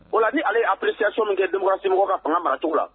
O la ni ale ye appréciation min kɛ démocratie mɔgɔw ka fanga mara cogo la.